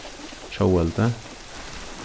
tjóðveldi